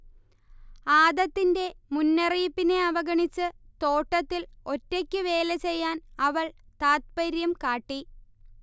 ആദത്തിന്റെ മുന്നറിയിപ്പിനെ അവഗണിച്ച് തോട്ടത്തിൽ ഒറ്റയ്ക്ക് വേലചെയ്യാൻ അവൾ താത്പര്യം കാട്ടി